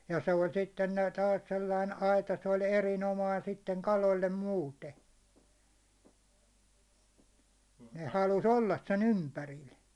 ja se oli sitten näet taas sellainen aita se oli erinomainen sitten kaloille muuten ne halusi olla sen ympärillä